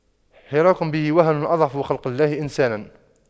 حراك به وهن أضعف خلق الله إنسانا